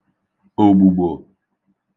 ògbùgbò